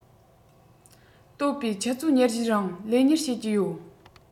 གཏོད པའི ཆུ ཚོད ༢༤ རིང ལས གཉེར བྱེད ཀྱི ཡོད